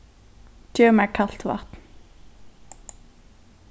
gev mær kalt vatn